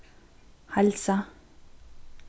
heilsa